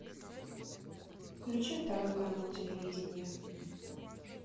включи второй канал телевидения